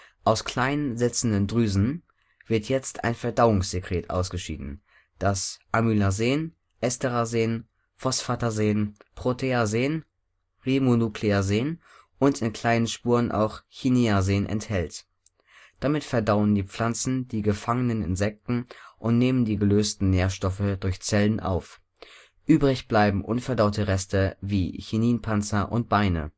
Aus kleinen, sitzenden Drüsen wird jetzt ein Verdauungssekret ausgeschieden, das Amylasen, Esterasen, Phosphatasen, Proteasen, Ribonukleasen und in kleinen Spuren auch Chitinasen enthält. Damit verdauen die Pflanzen die gefangenen Insekten und nehmen die gelösten Nährstoffe durch Zellen auf; übrig bleiben unverdaute Reste wie Chitinpanzer und Beine